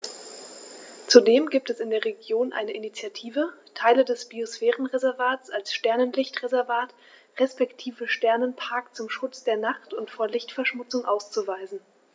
Zudem gibt es in der Region eine Initiative, Teile des Biosphärenreservats als Sternenlicht-Reservat respektive Sternenpark zum Schutz der Nacht und vor Lichtverschmutzung auszuweisen.